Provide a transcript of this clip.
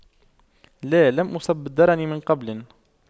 لا لم أصب بالدرن من قبل